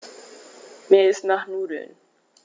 Mir ist nach Nudeln.